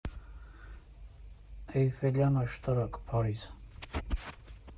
Էյֆելյան աշտարակ, Փարիզ։